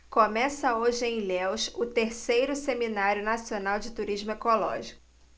começa hoje em ilhéus o terceiro seminário nacional de turismo ecológico